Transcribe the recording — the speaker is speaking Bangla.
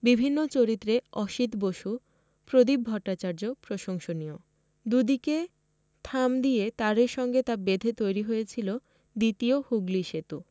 বিভিন্ন চরিত্রে অসিত বসু প্রদীপ ভট্টাচার্য প্রশংসনীয় দুদিকে থাম দিয়ে তারের সঙ্গে তা বেঁধে তৈরী হয়েছিলো দ্বিতীয় হুগলি সেতু